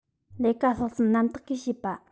ལས ཀ ལྷག བསམ རྣམ དག གིས བྱེད པ